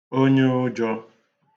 onyeụjō